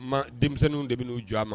Maa denmisɛnninw de bi n'u jɔ a ma